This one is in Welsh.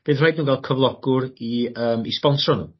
fydd rhaid n'w ga'l cyflogwr i yym i sbonsro n'w.